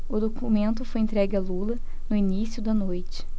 o documento foi entregue a lula no início da noite